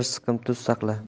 siqim tuz saqla